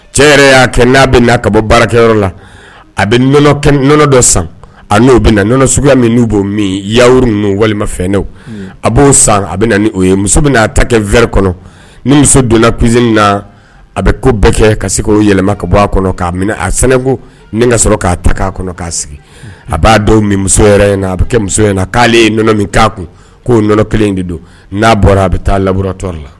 Cɛ yɛrɛ y'a kɛ n'a bɛ n'a ka bɔ baarakɛyɔrɔ la a bɛɔnɔ nɔnɔ dɔ san a'o bɛ na nɔnɔ suguya min n' b'o min yariu walimafɛn a b'o san a bɛ o ye muso bɛ'a ta kɛ fɛrɛ kɔnɔ ni muso donnasi na a bɛ ko bɛɛ kɛ ka se k' yɛlɛma ka bɔ a kɔnɔ'a minɛ a sɛnɛko ka sɔrɔ k'a ta k'a kɔnɔ k'a sigi a b'a dɔn muso a bɛ kɛ muso in k'aleɔnɔ min k'a kun k'oɔnɔ kelen de don n'a bɔra a bɛ taa labɔratɔ la